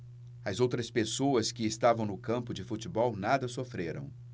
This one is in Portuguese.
as outras pessoas que estavam no campo de futebol nada sofreram